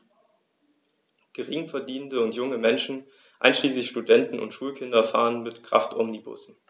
Geringverdienende und junge Menschen, einschließlich Studenten und Schulkinder, fahren mit Kraftomnibussen.